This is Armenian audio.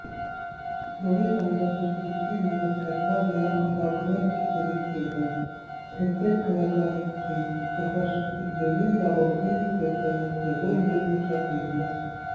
Նորից անհրաժեշտություն առաջացավ վերախմբագրել գիտելիքները, թերթել գրականություն զբոսաշրջիկներին լավագույնս ներկայացնելու մեր մշակույթը։